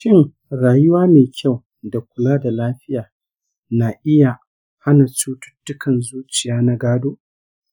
shin rayuwa mai kyau da kula da lafiya na iya hana cututtukan zuciya na gado?